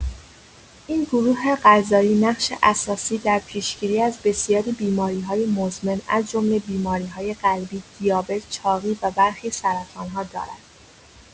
این گروه غذایی نقش اساسی در پیشگیری از بسیاری بیماری‌های مزمن از جمله بیماری‌های قلبی، دیابت، چاقی و برخی سرطان‌ها دارد.